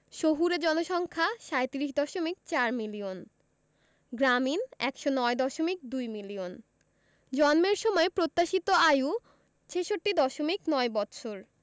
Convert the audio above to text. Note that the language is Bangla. শহুরে জনসংখ্যা ৩৭দশমিক ৪ মিলিয়ন গ্রামীণ ১০৯দশমিক ২ মিলিয়ন জন্মের সময় প্রত্যাশিত আয়ু ৬৬দশমিক ৯ বৎসর